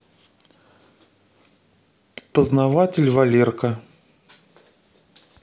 познаватель валерка